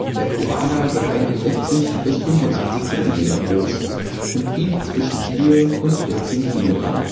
Der Koala wird 61 bis 85 cm groß und wiegt zwischen 4 und 14 kg